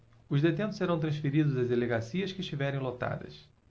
os detentos serão transferidos das delegacias que estiverem lotadas